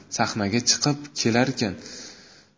sahnaga chiqib kelarkan